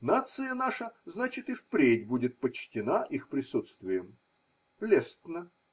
Нация наша, значит, и впредь будет почтена их присутствием. Лестно.